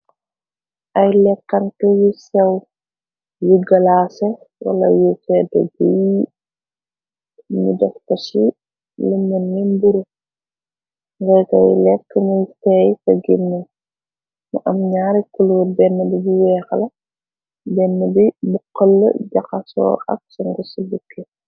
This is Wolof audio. Ay lekkantu yu sew yu galaase wala yu sedd biy ñu defta chi lëmen ni mburu nxeetay lekk muy teey te ginni mu am ñaari kuluur benn bi bu weexala denn bi bu xël jaxasoo ak sunguci bukki.